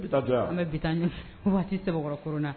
Bi ta jɔ yan. An bɛ bi ta waati sɛbɛnkɔrɔ korona.